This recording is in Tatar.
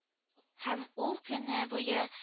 Һәм ул көне буе